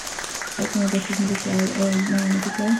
Eikanger-Bjørsvik Musikklag og Manger Musikklag.